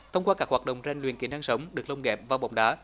thông qua các hoạt động rèn luyện kỹ năng sống được lồng ghép vào bóng đá